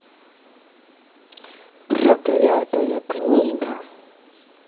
проклятая книга